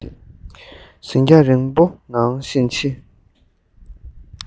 གཟིགས རྒྱང རིང པོ གནང བཞིན མཆིས